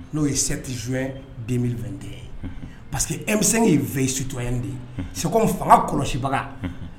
N'o ye seti dente ye pa que emisɛn fɛ suto de ye se n fanga kɔlɔsibaga